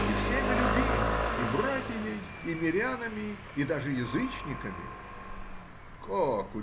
И всеми любим: и братией, и мирянами, и даже язычниками. — Как?